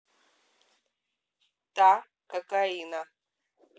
та кокаина